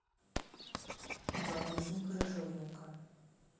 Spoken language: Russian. болезни крыжовника